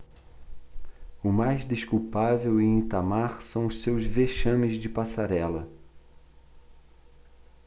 o mais desculpável em itamar são os seus vexames de passarela